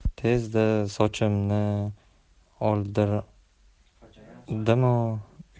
tezda sochimni oldirdimu